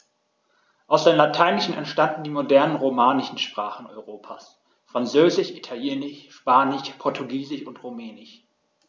Aus dem Lateinischen entstanden die modernen „romanischen“ Sprachen Europas: Französisch, Italienisch, Spanisch, Portugiesisch und Rumänisch.